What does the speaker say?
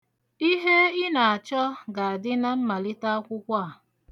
Ihe ị na-achọ ga-adị na mmalite akwụkwọ a.